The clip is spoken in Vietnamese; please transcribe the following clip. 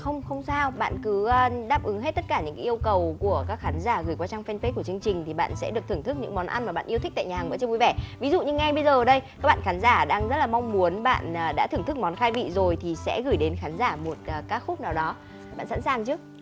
không không sao bạn cứ đáp ứng hết tất cả những yêu cầu của các khán giả gửi qua trang phan bết của chương trình thì bạn sẽ được thưởng thức những món ăn mà bạn yêu thích tại nhà hàng bữa trưa vui vẻ ví dụ như ngay bây giờ đây các bạn khán giả đang rất là mong muốn bạn đã đã thưởng thức món khai vị rồi thì sẽ gửi đến khán giả một ca khúc nào đó bạn sẵn sàng chứ